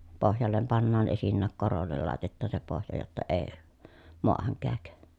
pohjalle pannaan esinnäkin korolle laitetaan se pohja jotta ei maahan käy